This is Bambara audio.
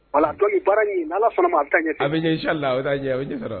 Voila donc baara in n'Ala sɔnna a bɛ taa ɲɛfɛ, a bɛ ɲɛ nsalawu a bɛ ɲɛsɔrɔ